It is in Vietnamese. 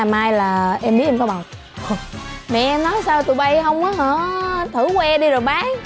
mai là em biết em có bầu mẹ em nói sao tụi bay không có hả thử que đi rồi bán